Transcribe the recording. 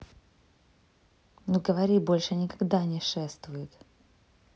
ну говори больше никогда не шествует